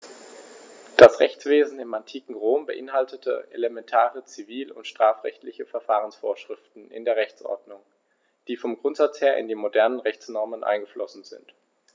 Das Rechtswesen im antiken Rom beinhaltete elementare zivil- und strafrechtliche Verfahrensvorschriften in der Rechtsordnung, die vom Grundsatz her in die modernen Rechtsnormen eingeflossen sind.